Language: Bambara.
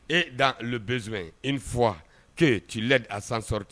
E dan bɛso in e fɔ' ci la a sansɔrɔ ten